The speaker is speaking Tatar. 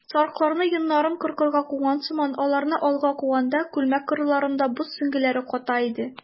Сарыкларны йоннарын кыркырга куган сыман аларны алга куганда, күлмәк кырларында боз сөңгеләре ката иде.